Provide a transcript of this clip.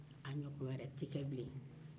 a ɲɔgɔn wɛrɛ tɛ kɛ bilen